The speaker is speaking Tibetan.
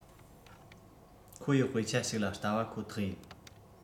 ཁོ ཡི དཔེ ཆ ཞིག ལ བལྟ བ ཁོ ཐག ཡིན